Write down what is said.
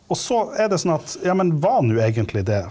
og så er det sånn at ja, men var han nå egentlig det?